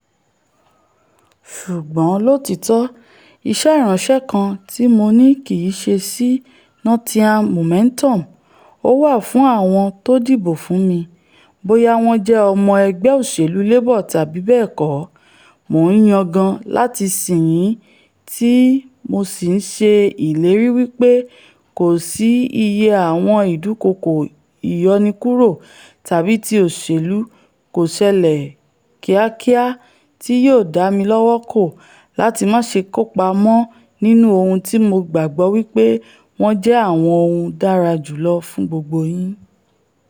Ṣùgbọn lóòtítọ iṣẹ ìránṣẹ́ kan tí Mo ní kìí ṣe sí Nothingham Momentum, o wá fún àwọn to dìbò fún mí, bóyá wọ́n jẹ́ ọmọ ẹgbẹ́ òṣèlú Labour tàbí bẹ́ẹ̀kọ́: Mo ń yangàn láti sìn yín tí Mo sì ṣe ìlérì wí pé kòsí iye àwọn ìdúnkookò ìyọnikúrò tàbi ti òṣèlú kòṣẹlẹ̀-kíákíá tí yóò dámi lọ́wọ́ kọ́ láti máṣe kópa mọ́ nínú ohun tí Mo gbàgbó wí pé wọ́n jẹ́ àwọn ohun dára jùlọ fún gbogbo yín.